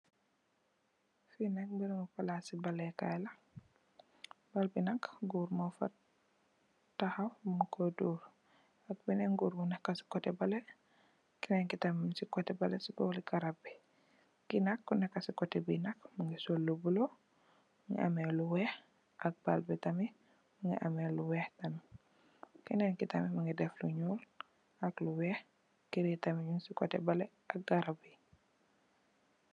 Fii barami palas ci balikay la bal be nk gorr mu fa tahaw kute bali ci bari garap be ki nek mu gi soul mbuba bulo ak bal be mu gi amhi lu wax tame kanaki atme mu gi daf lu nuul ak lu wax kanaki mu ci garap be